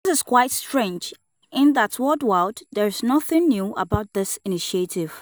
This is quite strange, in that worldwide, there is nothing new about this initiative.